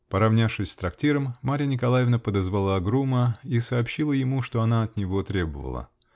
Поравнявшись с трактиром, Марья Николаевна подозвала грума и сообщила ему, что она от него требовала.